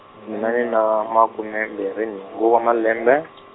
mina ni na makume mbirhi nhungu wa malembe.